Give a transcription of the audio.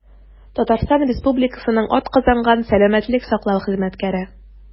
«татарстан республикасының атказанган сәламәтлек саклау хезмәткәре»